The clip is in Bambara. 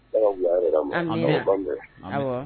Ala ka wula hɛrɛ d'an, amin, awɔ